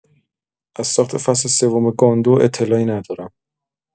از ساخت فصل سوم گاندو اطلاعی ندارم.